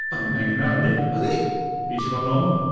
Mae hi'n gynnar, yndy?... Oedd hi?... Fi sy fod nôl nhw!